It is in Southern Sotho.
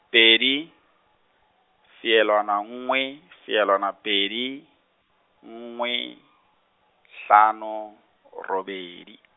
pedi, feelwane nngwe, feelwane pedi, nngwe , hlano, robedi.